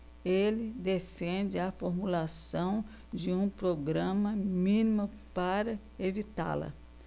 ele defende a formulação de um programa mínimo para evitá-la